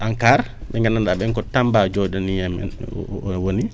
ANCAR